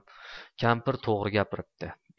kampir to'g'ri gapiribdi